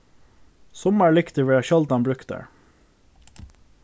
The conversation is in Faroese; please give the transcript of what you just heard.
summar lyktir verða sjáldan brúktar